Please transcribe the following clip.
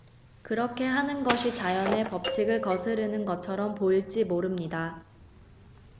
그렇게 하는 것이 자연의 법칙을 거스르는 것처럼 보일지 모릅니다